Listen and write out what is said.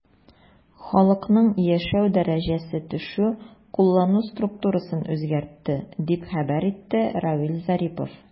Халыкның яшәү дәрәҗәсе төшү куллану структурасын үзгәртте, дип хәбәр итте Равиль Зарипов.